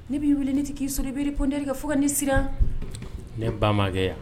Ne b'i wili ne tɛ k'i sɔrɔ i b'i répondeur kan fo ka ne siran ne ba ma k’e ye wa ?